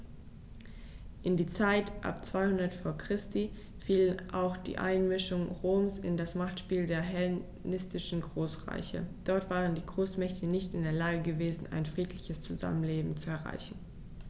In die Zeit ab 200 v. Chr. fiel auch die Einmischung Roms in das Machtspiel der hellenistischen Großreiche: Dort waren die Großmächte nicht in der Lage gewesen, ein friedliches Zusammenleben zu erreichen.